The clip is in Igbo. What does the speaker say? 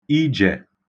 ijẹ̀